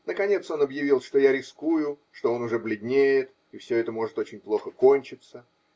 наконец, он объявил, что я рискую, что он уже бледнеет и все это может очень плохо кончиться